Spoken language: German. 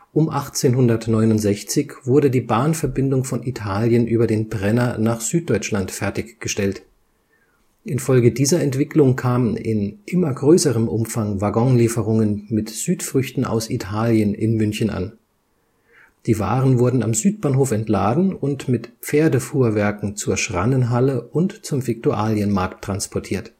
Um 1869 wurde die Bahnverbindung von Italien über den Brenner nach Süddeutschland fertiggestellt. Infolge dieser Entwicklung kamen in immer größerem Umfang Waggonlieferungen mit Südfrüchten aus Italien in München an. Die Waren wurden am Südbahnhof entladen und mit Pferdefuhrwerken zur Schrannenhalle und zum Viktualienmarkt transportiert